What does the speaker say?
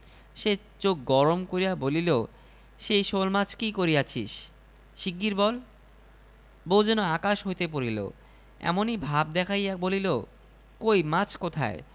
সে চোখ গরম করিয়া বলিল সেই শোলমাছ কি করিয়াছিস শীগগীর বল বউ যেন আকাশ হইতে পড়িল এমনি ভাব দেখাইয়া বলিল কই মাছ কোথায়